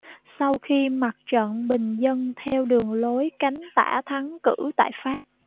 sau khi mặt trận bình dân theo đường lối cánh tả thắng cử tại pháp